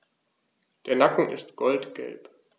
Der Nacken ist goldgelb.